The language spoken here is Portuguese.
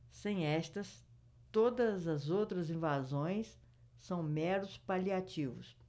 sem estas todas as outras invasões são meros paliativos